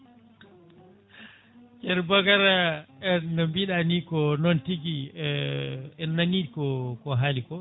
ceerno Bocar e no mbiɗa ni ko noon tigui en nani ko ko haaliko